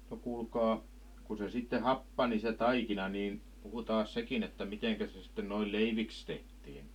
no kuulkaa kun se sitten happani se taikina niin puhutaanpas sekin että miten se sitten noin leiviksi tehtiin